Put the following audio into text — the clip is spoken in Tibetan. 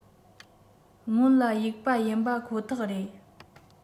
སྔོན ལ གཡུག པ ཡིན པ ཁོ ཐག རེད